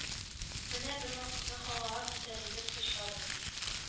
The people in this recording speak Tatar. Менә бервакытны һавага күтәрелдек очабыз